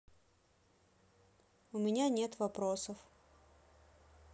у меня нет вопросов